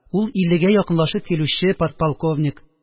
Ул – иллегә якынлашып килүче подполковник